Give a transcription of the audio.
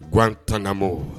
Gtana